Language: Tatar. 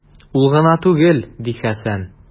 Ул гына түгел, - ди Хәсән.